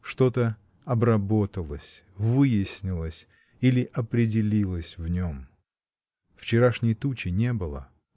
Что-то обработалось, выяснилось или определилось в нем. Вчерашней тучи не было.